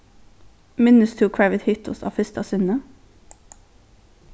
minnist tú hvar vit hittust á fyrsta sinni